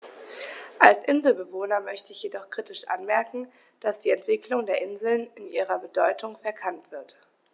Als Inselbewohner möchte ich jedoch kritisch anmerken, dass die Entwicklung der Inseln in ihrer Bedeutung verkannt wird.